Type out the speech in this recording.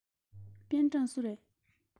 པེན ཀྲང སུ རེད